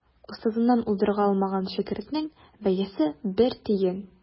Остазыннан уздыра алмаган шәкертнең бәясе бер тиен.